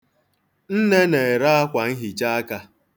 Nne na-ere akwanhichaaka.